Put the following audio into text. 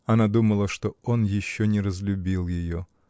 Она думала, что он еще не разлюбил ее!